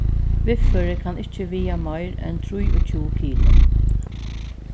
viðførið kann ikki viga meir enn trýogtjúgu kilo